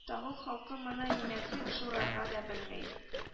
Тагыл халкы моны нимәцек җурарга да белмәй